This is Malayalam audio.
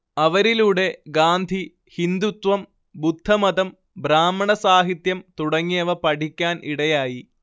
അവരിലൂടെ ഗാന്ധി ഹിന്ദുത്വം ബുദ്ധമതം ബ്രാഹ്മണ സാഹിത്യം തുടങ്ങിയവ പഠിക്കാൻ ഇടയായി